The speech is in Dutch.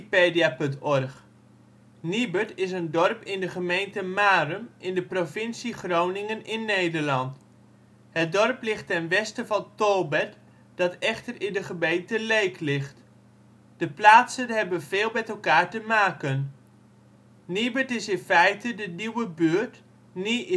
Nijbert) is een dorp in de gemeente Marum in de provincie Groningen (Nederland). Het dorp ligt ten westen van Tolbert (dat echter in de gemeente Leek ligt). De plaatsen hebben veel met elkaar te maken. Niebert is in feite de nieuwe buurt (nie